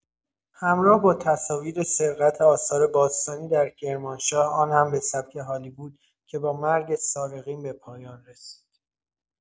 همراه با تصاویر سرقت آثار باستانی در کرمانشاه آن هم به سبک هالیوود که با مرگ سارقین به پایان رسید.